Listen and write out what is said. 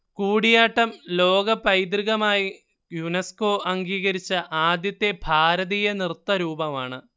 കൂടിയാട്ടം ലോകപൈതൃകമായി യുനെസ്കോ അംഗീകരിച്ച ആദ്യത്തെ ഭാരതീയ നൃത്തരൂപമാണ്